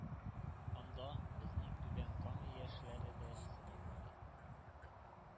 Анда безнең түбән кама яшьләре дә сынатмады.